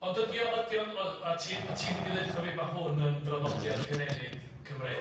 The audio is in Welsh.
Ond ydi o ydi o'n yy a ti a ti'n mynd i ddeutho fi ma' hwn yn draddodiad cynenid Cymreig?